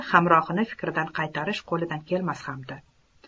hamrohini fikridan qaytarish qo'lidan kelmas ham edi